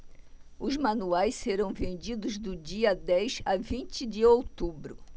os manuais serão vendidos do dia dez a vinte de outubro